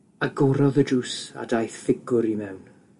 Agorodd y drws a daeth ffigwr i mewn